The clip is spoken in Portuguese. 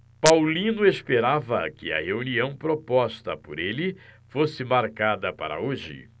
paulino esperava que a reunião proposta por ele fosse marcada para hoje